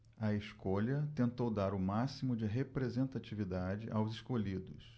a escolha tentou dar o máximo de representatividade aos escolhidos